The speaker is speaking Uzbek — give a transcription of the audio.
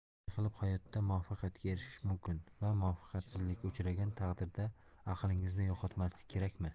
qanday qilib hayotda muvaffaqiyatga erishish mumkin va muvaffaqiyatsizlikka uchragan taqdirda aqlingizni yo'qotmaslik kerakmi